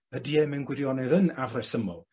Ydi e mewn gwirionedd yn afresymol?